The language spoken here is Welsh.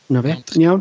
'Na fe yn iawn.